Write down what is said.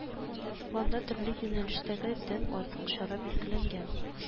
Планда төрле юнәлештәге дән артык чара билгеләнгән